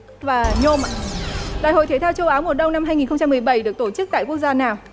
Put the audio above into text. và nhôm đại hội thể thao châu á mùa đông năm hai nghìn không trăm mười bảy được tổ chức tại quốc gia nào